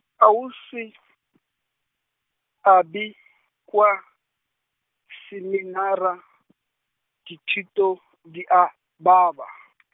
Ausi , Albi, kua, seminara , dithuto, di a, baba .